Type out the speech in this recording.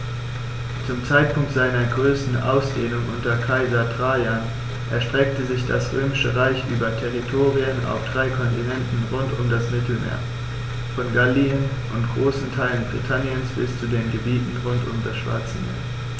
Zum Zeitpunkt seiner größten Ausdehnung unter Kaiser Trajan erstreckte sich das Römische Reich über Territorien auf drei Kontinenten rund um das Mittelmeer: Von Gallien und großen Teilen Britanniens bis zu den Gebieten rund um das Schwarze Meer.